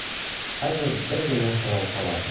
Хәзер бер генә сорау кала.